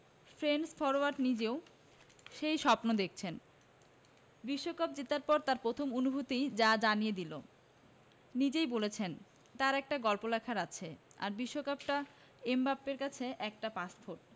French forward নিজেও সেই স্বপ্নই দেখছেন বিশ্বকাপ জেতার পর তাঁর প্রথম অনুভূতিই যা জানিয়ে দিল নিজেই বলছেন তাঁর একটা গল্প লেখার আছে আর বিশ্বকাপটা এমবাপ্পের কাছে একটা পাসপোর্ট